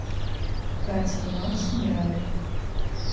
катя и макс играют